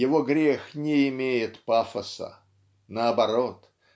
его грех не имеет пафоса. Наоборот